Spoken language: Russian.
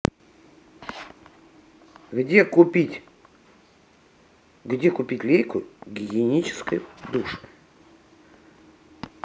где купить лейку гигиенического душа